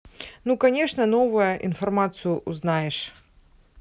ну конечно новая информацию узнаешь